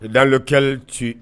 Dans lequel tu